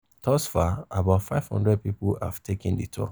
Thus far, about 500 people have taken the tour.